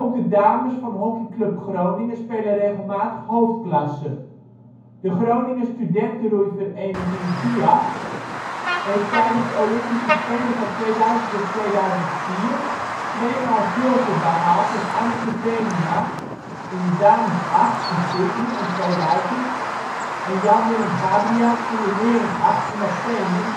de dames van hockeyclub Groningen spelen regelmatig hoofdklasse. De Groninger studentenroeivereniging Gyas heeft tijdens de Olympische Spelen van 2000 en 2004 twee maal zilver behaald met Anneke Venema in de damesacht in Sydney (2000) en Jan-Willem Gabriëls in de herenacht in Athene (2004